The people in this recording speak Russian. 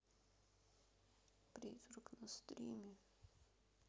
призрак на стриме